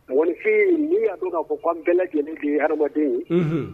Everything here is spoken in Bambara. Fin n'i y'adu'a fɔ ko n bɛɛ lajɛlen de ye araden ye